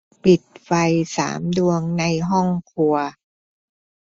ปิดไฟสามดวงในห้องครัว